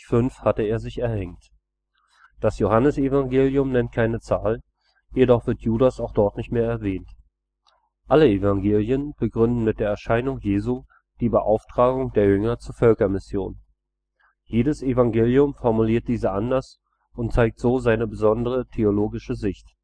hatte er sich erhängt). Das Johannesevangelium nennt keine Zahl, jedoch wird Judas auch dort nicht mehr erwähnt. Alle Evangelien begründen mit der Erscheinung Jesu die Beauftragung der Jünger zur Völkermission. Jedes Evangelium formuliert diese anders und zeigt so seine besondere theologische Sicht